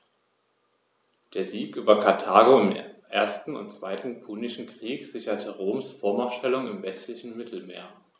Der Sieg über Karthago im 1. und 2. Punischen Krieg sicherte Roms Vormachtstellung im westlichen Mittelmeer.